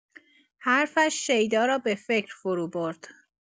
حرفش شیدا را به فکر فروبرد.